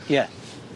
Ie.